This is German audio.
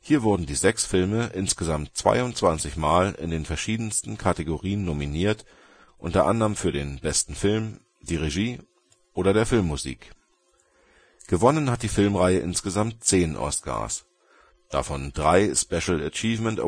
Hier wurden die sechs Filme insgesamt 22 mal in den verschiedensten Kategorien nominiert, u.a. für den besten Film, die Regie oder der Filmmusik. Gewonnen hat die Filmreihe insgesamt 10 Oscars, davon drei Special Achievement Awards